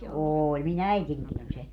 oli minun äitinikin oli se